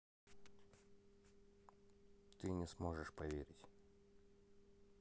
ты не сможешь поверить